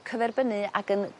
cyferbynnu ag yn